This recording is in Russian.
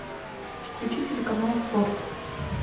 включи телеканал спорт